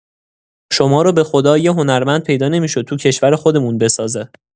شمارو به‌خدا یه هنرمند پیدا نمی‌شد تو کشور خودمون بسازه!